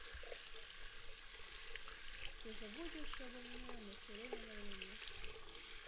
ты забудешь обо мне на сиреневой луне